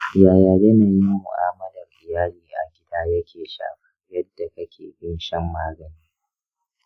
yaya yanayin mu’amalar iyali a gida yake shafar yadda kake bin shan magani?